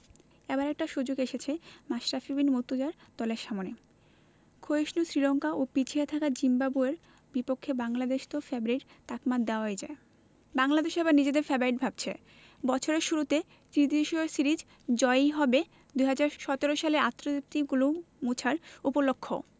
এবার একটা সুযোগ এসেছে মাশরাফি বিন মুর্তজার দলের সামনে ক্ষয়িষ্ণু শ্রীলঙ্কা ও পিছিয়ে থাকা জিম্বাবুয়ের বিপক্ষে বাংলাদেশকে তো ফেবারিট তকমা দেওয়াই যায় বাংলাদেশও এবার নিজেদের ফেবারিট ভাবছে বছরের শুরুতে ত্রিদেশীয় সিরিজ জয়ই হবে ২০১৭ সালের অপ্রাপ্তিগুলো মোছার উপলক্ষও